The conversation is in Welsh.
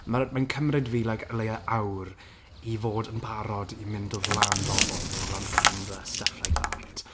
Ma'r... mae'n cymryd fi, like, o leia awr, i fod yn barod i mynd o flân bobl, neu o flân camera, stuff like that.